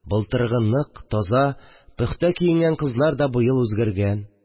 Былтыргы нык, таза, пөхтә киенгән кызлар да быел үзгәргән